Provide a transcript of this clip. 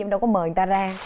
đâu có mời người ta ra